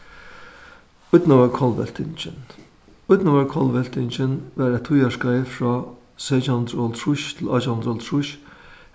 ídnaðarkollveltingin ídnaðarkollveltingin var eitt tíðarskeið frá seytjan hundrað og hálvtrýss til átjan hundrað og hálvtrýss